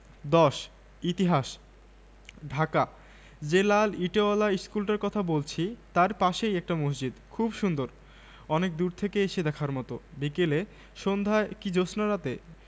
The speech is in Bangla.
এটুকুর মধ্যে আপনার সবটাকে ধরানো চাই আপনার সব কথা সব ব্যাথা সব ভাবনা মেয়েরা হল সীমাস্বর্গের ঈন্দ্রাণী